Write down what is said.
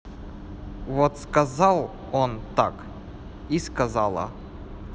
вот сказал он так и сказала